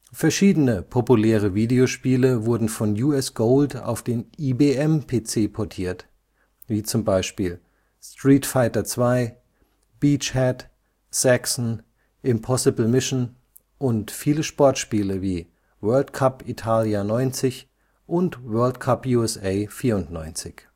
Verschiedene populäre Video-Spiele wurden von U.S. Gold auf den IBM PC portiert, wie z.B. Street Fighter II, Beach Head, Zaxxon, Impossible Mission, und viele Sport-Spiele wie World Cup Italia ' 90 und World Cup USA ' 94.